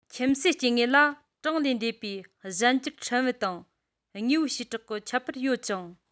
ཁྱིམ གསོས སྐྱེ དངོས ལ གྲངས ལས འདས པའི གཞན འགྱུར ཕྲན བུ དང དངོས པོའི བྱེ བྲག གི ཁྱད པར ཡོད ཅིང